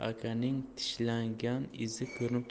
akaning tishlagan izi ko'rinib turibdi